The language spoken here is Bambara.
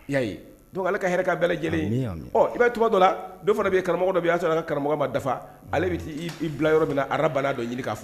Y don ale ka hɛrɛ bɛɛ lajɛlen in i bɛ toba dɔ la fana bɛ karamɔgɔ dɔ y' sɔrɔ ka karamɔgɔ ma dafa ale bɛ taa bila yɔrɔ min arara bala don ɲini k'a fɔ